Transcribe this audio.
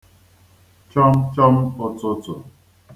chọmchọm ụtụtụ